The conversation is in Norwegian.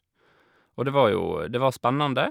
Og det var jo det var spennende.